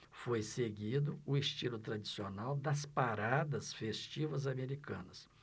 foi seguido o estilo tradicional das paradas festivas americanas